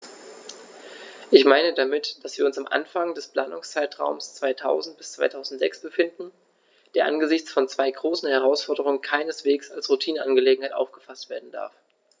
Ich meine damit, dass wir uns am Anfang des Planungszeitraums 2000-2006 befinden, der angesichts von zwei großen Herausforderungen keineswegs als Routineangelegenheit aufgefaßt werden darf.